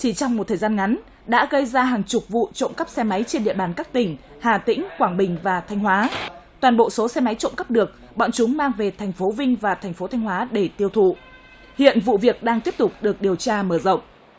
chỉ trong một thời gian ngắn đã gây ra hàng chục vụ trộm cắp xe máy trên địa bàn các tỉnh hà tĩnh quảng bình và thanh hóa toàn bộ số xe máy trộm cắp được bọn chúng mang về thành phố vinh và thành phố thanh hóa để tiêu thụ hiện vụ việc đang tiếp tục được điều tra mở rộng